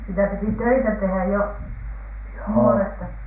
sitä piti töitä tehdä jo nuoresta